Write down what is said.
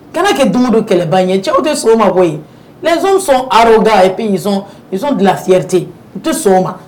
Kana kɛ dumuni don kɛlɛba ye cɛw tɛ so oma bɔ ye n nisɔn sɔn rro da a ye nisɔn dilansirete n tɛ so ma